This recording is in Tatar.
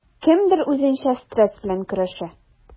Кемдер үзенчә стресс белән көрәшә.